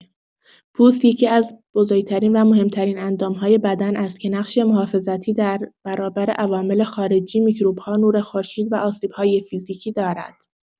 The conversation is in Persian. پوست یکی‌از بزرگ‌ترین و مهم‌ترین اندام‌های بدن است که نقش محافظتی در برابر عوامل خارجی، میکروب‌ها، نور خورشید و آسیب‌های فیزیکی دارد.